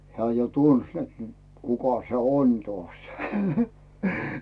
hän jo tunsi että nyt kuka se on taas